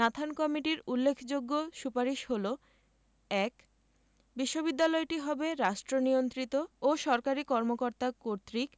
Nathan কমিটির উল্লেখযোগ্য সুপারিশ হলো: ১. বিশ্ববিদ্যালয়টি হবে রাষ্ট্রনিয়ন্ত্রিত ও সরকারি কর্মকর্তা কর্তৃক